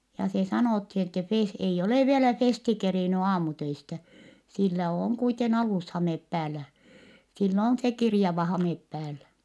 ja se sanottiin että - ei ole vielä Festi kerinnyt aamutöistä sillä on kuiten alushame päällä sillä on se kirjava hame päällä